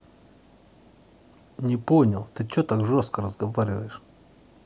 не понял ты че так жестко разговариваешь